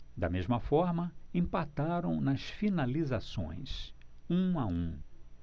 da mesma forma empataram nas finalizações um a um